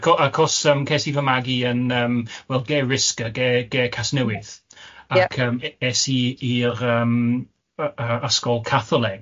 Ac o- achos yym ces i fy magu yn yym wel ger Rysg a ger Casnewydd... Ie. ...ac yym es i i'r yym yy yy ysgol Catholig.